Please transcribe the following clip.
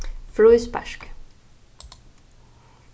fríspark